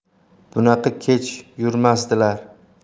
bunaqa kech yurmasdilar